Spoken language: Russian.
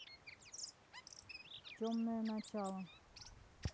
темное начало